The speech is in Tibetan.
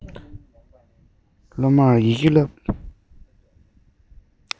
སློབ མར ཡི གེ བསླབ